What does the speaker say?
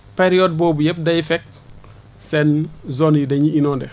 période boobu yëpp day fekk seen zones yi da ñuy innondées